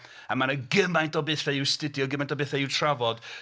A ma' 'na gymaint o bethe i'w astudio, gymaint o bethe i'w trafod.